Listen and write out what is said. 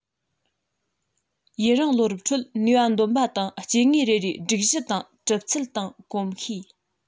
ཡུན རིང ལོ རབས ཁྲོད ནུས པ འདོན པ དང སྐྱེ དངོས རེ རེའི སྒྲིག གཞི དང གྲུབ ཚུལ དང གོམས གཤིས